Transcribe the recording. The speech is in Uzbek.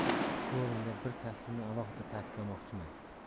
shu o'rinda bir taklifni alohida ta'kidlamoqchiman